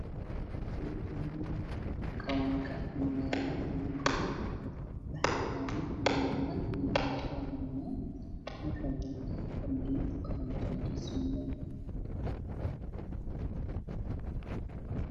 Waa meel maleeyo lagu dabayo meesha ugu nin nin ayaa taagan waxa uuna gacanta ku hayaa shabaq a dabayo malayga